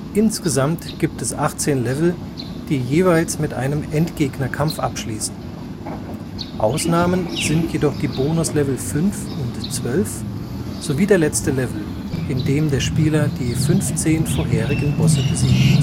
Insgesamt gibt es 18 Level, die jeweils mit einem Endgegner-Kampf abschließen. Ausnahmen sind jedoch die Bonuslevel fünf und zwölf, sowie der letzte Level, in dem der Spieler die 15 vorherigen Bosse besiegen